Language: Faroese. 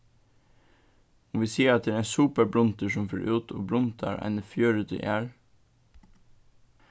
um vit siga at tað er ein super brundur sum fer út og brundar eini fjøruti ær